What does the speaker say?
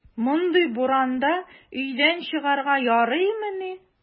Мондый буранда өйдән чыгарга ярыймыни!